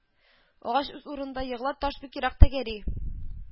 Агач үз урынына егыла, таш бик ерак тәгәри